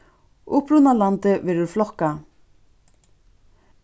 upprunalandið verður flokkað